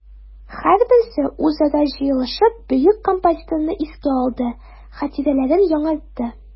Һәрберсе үзара җыелышып бөек композиторны искә алды, хатирәләрен яңартты.